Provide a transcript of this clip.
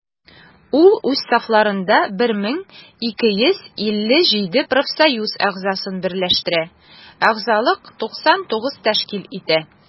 Ул үз сафларында 1257 профсоюз әгъзасын берләштерә, әгъзалык 99 % тәшкил итә.